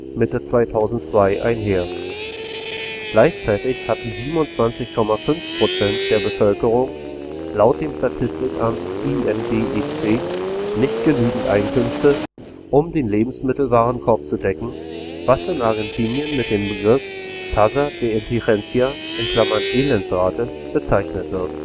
Mitte 2002 einher. Gleichzeitig hatten 27,5 % der Bevölkerung laut dem Statistikamt INDEC nicht genügend Einkünfte, um den Lebensmittelwarenkorb zu decken, was in Argentinien mit dem Begriff tasa de indigencia (Elendsrate) bezeichnet wird